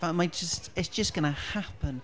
fel mae jyst, it's just gonna happen.